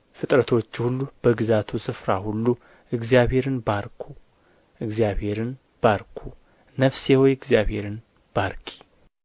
ፍጥረቶቹ ሁሉ በግዛቱ ስፍራ ሁሉ እግዚአብሔርን ባርኩ ነፍሴ ሆይ እግዚአብሔርን ባርኪ